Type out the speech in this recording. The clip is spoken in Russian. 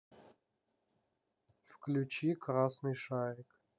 включи красный шарик